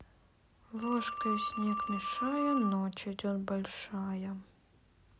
ложкой снег мешая ночь идет большая